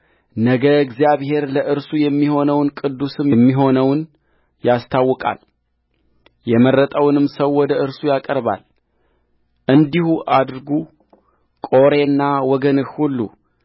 ነገ እግዚአብሔር ለእርሱ የሚሆነውን ቅዱስም የሚሆነውን ያስታውቃል የመረጠውንም ሰው ወደ እርሱ ያቀርበዋልእንዲሁ አድርጉ ቆሬና ወገንህ ሁሉ